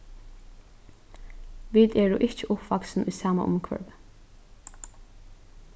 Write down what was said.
vit eru ikki uppvaksin í sama umhvørvi